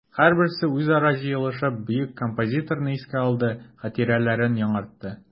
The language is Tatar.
Һәрберсе үзара җыелышып бөек композиторны искә алды, хатирәләрен яңартты.